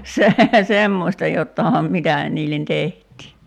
- semmoista jotakinhan mitä niille tehtiin